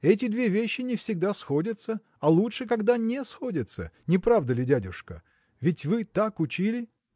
эти две вещи не всегда сходятся, а лучше, когда не сходятся. Не правда ли, дядюшка? ведь вы так учили.